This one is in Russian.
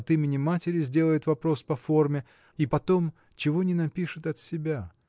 от имени матери сделает вопрос по форме а потом чего не напишет от себя!